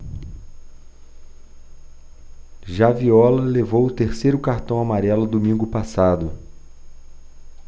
já viola levou o terceiro cartão amarelo domingo passado